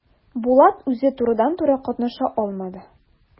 Булат үзе турыдан-туры катнаша алмады.